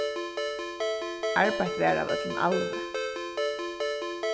arbeitt varð av øllum alvi